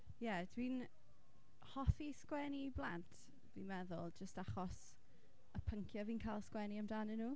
Ie dwi'n hoffi sgwennu i blant fi'n meddwl, jyst achos y pynciau fi'n cael sgwennu amdanyn nhw.